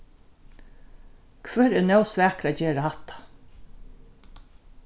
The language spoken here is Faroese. hvør er nóg svakur at gera hatta